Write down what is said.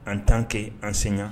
An t' kɛ an sen